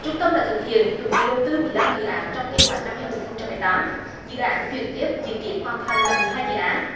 trung tâm đã thực hiện chuẩn bị đầu tư mười lăm dự án trong kế hoạch năm hai nghìn không trăm mười tám dự án chuyển tiếp dự kiến hoàn thành là mười hai dự án